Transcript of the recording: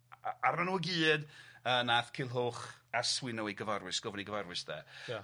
A- arnon nw i gyd yy nath Culhwch a swyno 'u gyfarwys gofyn 'u gyfarwys de. Ia.